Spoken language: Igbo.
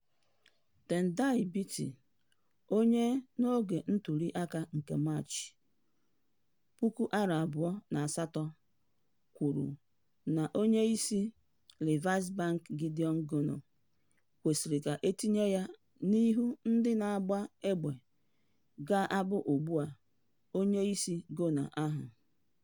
Tendai Biti onye, n'oge ntuliaka nke Maachị 2008 kwuru na Onyeisi Reserve Bank Gideon Gono "kwesịrị ka etinye ya n'ihu ndị na-agba egbe" ga-abụ ugbua onyeisi Gono ahụ.